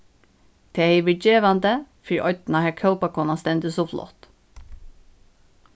tað hevði verið gevandi fyri oynna har kópakonan stendur so flott